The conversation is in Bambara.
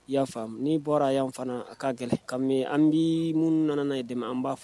I y'a faamu , n'i bɔra yan fana , a ka gɛlɛn, kami an bɛ minnu nana n'a dɛmɛ an b'a fɔ